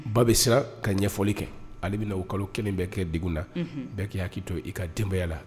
Ba be siran ka ɲɛfɔli kɛ ale bɛna o kalo 1 bɛ kɛ degun na unhun bɛɛ k'i hakili to i ka denbaya la